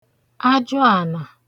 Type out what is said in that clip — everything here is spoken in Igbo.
ajụànà